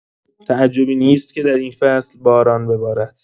تعجبی نیست که در این فصل باران ببارد؛